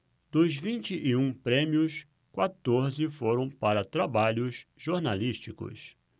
dos vinte e um prêmios quatorze foram para trabalhos jornalísticos